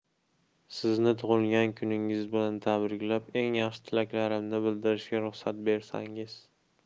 sizni tug'ilgan kuningiz bilan tabriklab eng yaxshi tilaklarimni bildirishga ruxsat bersangiz